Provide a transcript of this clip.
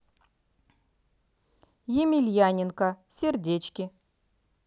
емельяненко сердечки